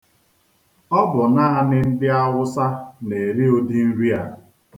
Ọ bụ naanị ndị Awụsa na-eri udi nri a.